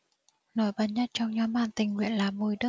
nổi bật nhất trong nhóm bạn tình nguyện là bùi đức